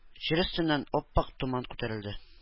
Җир өстеннән ап-ак томан күтәрелде.